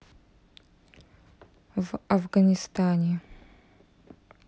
в афганистане